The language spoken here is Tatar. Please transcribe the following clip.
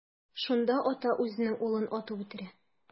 Шунда ата үзенең улын атып үтерә.